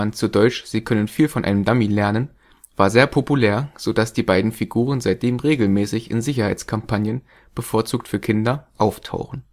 zu deutsch „ Sie können viel von einem Dummy lernen “) war sehr populär, sodass die beiden Figuren seitdem regelmäßig in Sicherheitskampagnen – bevorzugt für Kinder – auftauchen